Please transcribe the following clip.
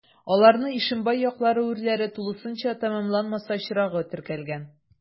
Аларны Ишембай яклары урләре тулысынча тәмамланмаса очрагы теркәлгән.